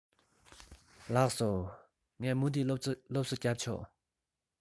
ལགས སོ ངས མུ མཐུད སློབ གསོ རྒྱབ ཆོག